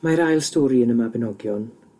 Mae'r ail stori yn y Mabinogion